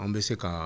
An be se ka